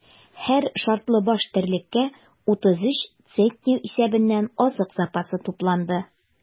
Һәр шартлы баш терлеккә 33 центнер исәбеннән азык запасы тупланды.